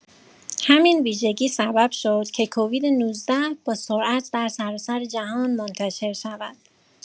همین ویژگی سبب شد که کووید-۱۹ با سرعت در سراسر جهان منتشر شود.